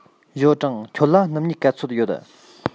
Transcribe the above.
ཞའོ ཀྲང ཁྱོད ལ སྣུམ སྨྱུག ག ཚོད ཡོད